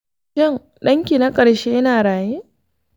shin ɗanki na karshe yana raye